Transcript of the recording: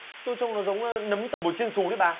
tôi trông nó giống ơ nấm tẩm bột chiên xù thế bà